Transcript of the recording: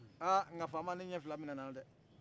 ahh nga faama ne ɲɛ fila minɛnan na dɛhh